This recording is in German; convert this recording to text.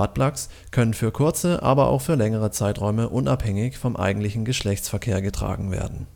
Plugs können für kürze, aber auch für längere Zeiträume unabhängig vom eigentlichen Geschlechtsverkehr getragen werden